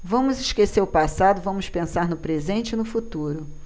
vamos esquecer o passado vamos pensar no presente e no futuro